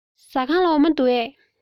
ཟ ཁང ལ འོ མ འདུག གས